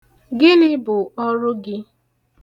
Gịni bụ ọrụ gị?